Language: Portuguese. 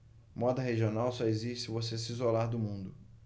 moda regional só existe se você se isolar do mundo